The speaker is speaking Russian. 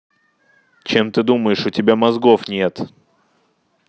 чем ты думаешь у тебя мозгов нет